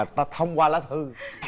ta thông qua lá thư